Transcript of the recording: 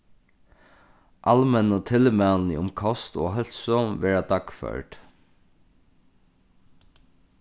almennu tilmælini um kost og heilsu verða dagførd